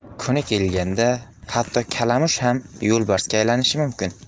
kuni kelganda hatto kalamush ham yo'lbarsga aylanishi mumkin